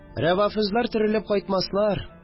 Рәвафызләр терелеп кайтмаслар